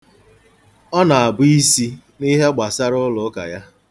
Ọ na-abu isi n'ihe gbasara ụlụụka ya.